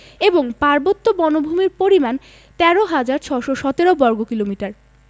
এবং পার্বত্য বনভূমির পরিমাণ ১৩হাজার ৬১৭ বর্গ কিলোমিটার